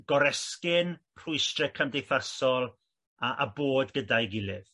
goresgyn rhwystre cymdeithasol a a bod gyda'i gilydd.